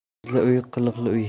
qizli uy qiliqli uy